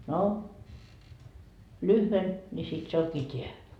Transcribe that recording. no lyhyen niin sitten se onkin tämä